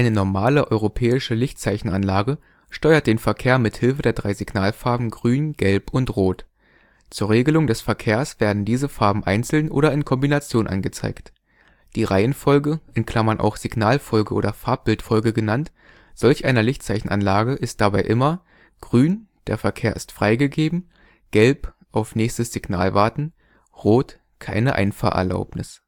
normale europäische Lichtzeichenanlage steuert den Verkehr mit Hilfe der drei Signalfarben Grün, Gelb und Rot. Zur Regelung des Verkehrs werden diese Farben einzeln oder in Kombination angezeigt. Die Reihenfolge (auch Signalfolge oder Farbbildfolge genannt) solch einer Lichtzeichenanlage ist dabei immer: Grün: Der Verkehr ist freigegeben Gelb: Auf nächstes Signal warten Rot: Keine Einfahrerlaubnis